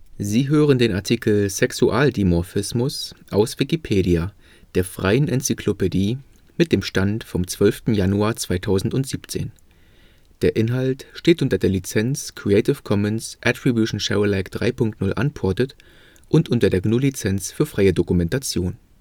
Sie hören den Artikel Sexualdimorphismus, aus Wikipedia, der freien Enzyklopädie. Mit dem Stand vom Der Inhalt steht unter der Lizenz Creative Commons Attribution Share Alike 3 Punkt 0 Unported und unter der GNU Lizenz für freie Dokumentation